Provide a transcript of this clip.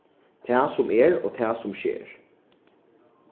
tað sum er og tað sum sker